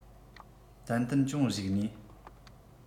ཏན ཏན ཅུང གཞིགས ནས